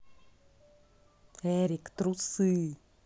эрик трусы